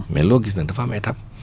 mais loo gis nag dafa am étape